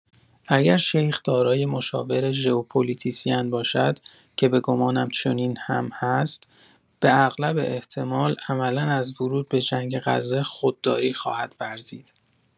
اگر شیخ دارای مشاور ژئوپلیتیسین باشد، که به گمانم چنین هم هست، به اغلب احتمال عملا از ورود به جنگ غزه خودداری خواهد ورزید.